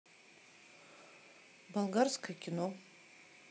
болгарское кино